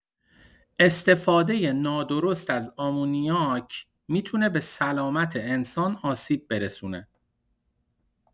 استفاده نادرست از آمونیاک می‌تونه به سلامت انسان آسیب برسونه.